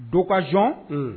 Do ka j